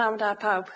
Pnawn da pawb.